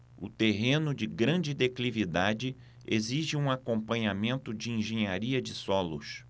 o terreno de grande declividade exige um acompanhamento de engenharia de solos